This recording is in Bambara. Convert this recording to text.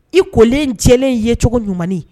I kolen cɛlen yecogo ɲuman